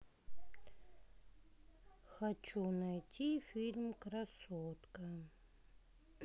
хочу найти фильм красотка